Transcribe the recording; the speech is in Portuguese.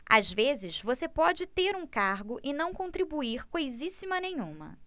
às vezes você pode ter um cargo e não contribuir coisíssima nenhuma